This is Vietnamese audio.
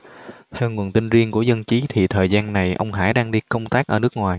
theo nguồn tin riêng của dân trí thì thời gian này ông hải đang đi công tác ở nước ngoài